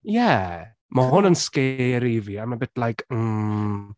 Ie. Mae hwnna'n scary i fi. I’m a bit like, hmm...